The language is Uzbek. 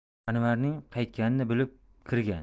anvarning qaytganini bilib kirgan